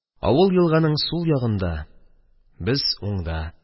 Авыл елганың сул ягында, без уңда